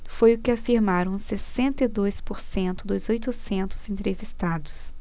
foi o que afirmaram sessenta e dois por cento dos oitocentos entrevistados